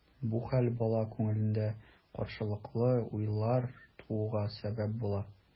Бу хәл бала күңелендә каршылыклы уйлар тууга сәбәп була.